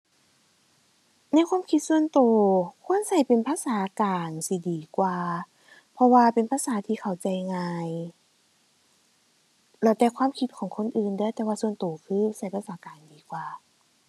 ในความคิดส่วนตัวควรตัวเป็นภาษากลางสิดีกว่า เพราะว่าเป็นภาษาที่เข้าใจง่าย แล้วแต่ความคิดของคนอื่นเด้อ แต่ว่าส่วนตัวคือตัวเป็นภาษากลางดีกว่า